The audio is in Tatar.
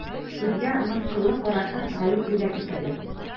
Судья мыскыллы карашын гаеплегә текәде.